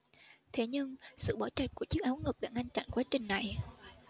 thế nhưng sự bó chặt của chiếc áo ngực đã ngăn chặn quá trình này